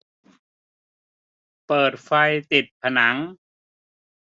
เปิดไฟติดผนัง